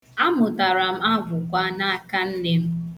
A mụtara m agwụgwa n' aka nne m.